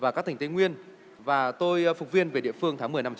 và các tỉnh tây nguyên và tôi phục viên về địa phương tháng mười năm